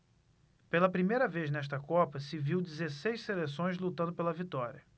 pela primeira vez nesta copa se viu dezesseis seleções lutando pela vitória